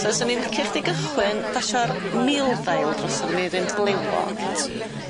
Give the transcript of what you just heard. So fysa'n i'n licio chdi gychwyn basio'r milddail drosodd i mi i yr un blewog. 'Na ti.